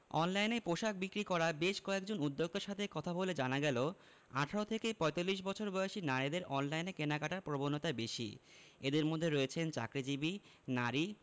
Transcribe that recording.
অনলাইনে পোশাক বিক্রি করা বেশ কয়েকজন উদ্যোক্তার সাথে কথা বলে জানা গেল ১৮ থেকে ৪৫ বছর বয়সী নারীদের অনলাইনে কেনাকাটার প্রবণতা বেশি এঁদের মধ্যে রয়েছেন চাকরিজীবী নারী